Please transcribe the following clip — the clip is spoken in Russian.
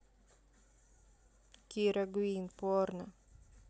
kira queen порно